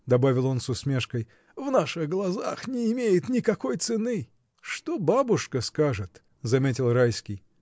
— добавил он с усмешкой, — в наших глазах не имеет никакой цены. — Что бабушка скажет? — заметил Райский.